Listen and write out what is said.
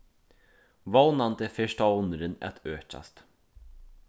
vónandi fer stovnurin at økjast